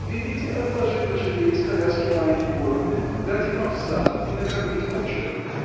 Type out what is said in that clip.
— Велите отложить лошадей из коляски Марьи Егоровны, дать им овса и накормить кучера.